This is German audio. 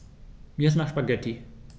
Mir ist nach Spaghetti.